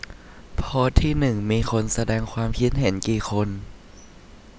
โพสต์ที่หนึ่งมีคนแสดงความคิดเห็นกี่คน